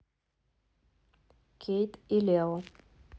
кейт и лео